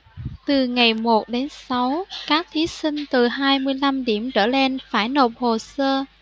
từ ngày một đến sáu các thí sinh từ hai mươi lăm điểm trở lên phải nộp hồ sơ